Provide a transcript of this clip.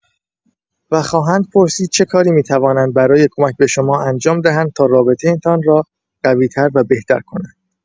و خواهند پرسید چه کاری می‌توانند برای کمک به شما انجام دهند تا رابطه‌تان را قوی‌تر و بهتر کنند.